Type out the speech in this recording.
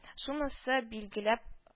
Шунысы билгеләп